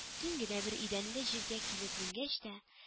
Киң генә бер идәнле җиргә килеп менгәч тә